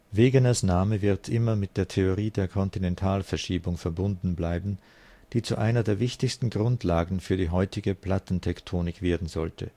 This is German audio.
Wegeners Name wird immer mit der Theorie der Kontinentalverschiebung verbunden bleiben, die zu einer der wichtigsten Grundlagen für die heutige Plattentektonik werden sollte